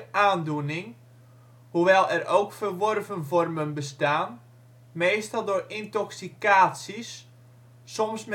aandoening, hoewel er ook verworven vormen bestaan, meestal door intoxicaties, soms